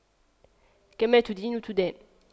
كما تدين تدان